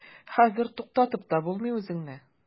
Хәзер туктатып та булмый үзеңне.